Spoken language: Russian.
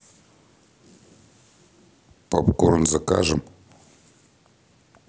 попкорн закажем